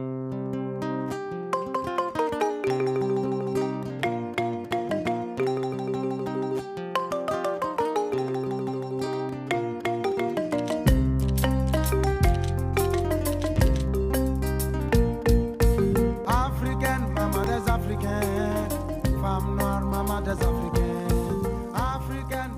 A fkɛnɛ masa fili kɛ faama masɛ kɛ